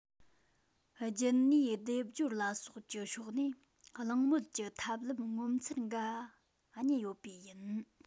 རྒྱུད གཉིས སྡེབ སྦྱོར ལ སོགས ཀྱི ཕྱོགས ནས གླེང མོལ གྱི ཐབས ལམ ངོ མཚར འགའ རྙེད ཡོད པས ཡིན